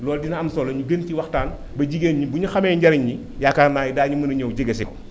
loolu dina am solo ñu gën ci waxtaan ba jigéen ñi bu ñu xamee njariñ li yaakaar naa ne daañu mën a ñëw jegesi ko